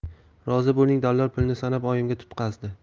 rozi bo'ling dallol pulni sanab oyimga tutqazdi